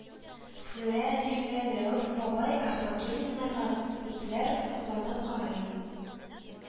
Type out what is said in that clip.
Флүрә әби белән Рәүф бабай Әхмәдуллиннарга күпләр сокланып карый